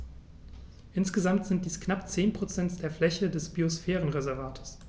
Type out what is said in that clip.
Insgesamt sind dies knapp 10 % der Fläche des Biosphärenreservates.